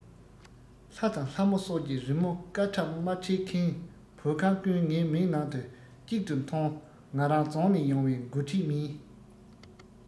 ལྷ དང ལྷ མོ སོགས ཀྱི རི མོ དཀར ཁྲ དམར ཁྲས ཁེངས བོད ཁང ཀུན ངའི མིག ནང དུ གཅིག ཏུ མཐོང ང རང རྫོང ནས ཡོང བའི མགོ ཁྲིད མིན